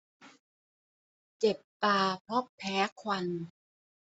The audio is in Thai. เจ็บตาเพราะแพ้ควัน